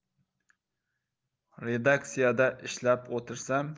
redaksiyada ishlab o'tirsam